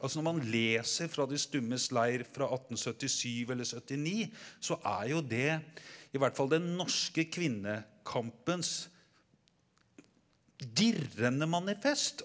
altså når man leser Fra De Stummes Leir fra 1877 eller 79 så er jo det i hvert fall den norske kvinnekampens dirrende manifest.